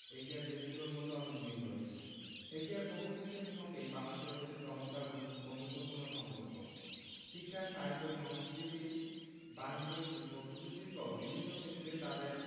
এশিয়ার দেশগুলোর মধ্যে অনেক মিল রয়েছেএশিয়ার বহুদেশের সঙ্গেই বাংলাদেশের রয়েছে চমৎকার বন্ধুত্বপূর্ণ সম্পর্ক শিক্ষা সাহিত্য সংস্কৃতি বানিজ্য শিল্প প্রযুক্তিসহ বিভিন্ন ক্ষেত্রে তাদের